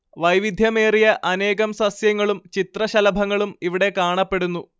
വൈവിദ്ധ്യമേറിയ അനേകം സസ്യങ്ങളും ചിത്രശലഭങ്ങളും ഇവിടെ കാണപ്പെടുന്നു